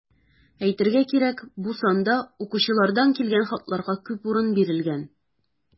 Әйтергә кирәк, бу санда укучылардан килгән хатларга күп урын бирелгән.